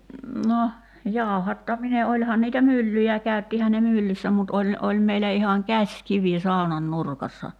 no jauhattaminen olihan niitä myllyjä käyttihän ne myllyssä mutta oli oli meillä ihan käsikivi saunan nurkassa